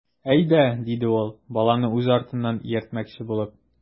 Әйдә,— диде ул, баланы үз артыннан ияртмөкче булып.